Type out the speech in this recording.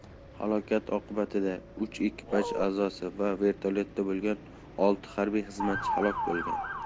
halokat oqibatida uch ekipaj a'zosi va vertolyotda bo'lgan olti harbiy xizmatchi halok bo'lgan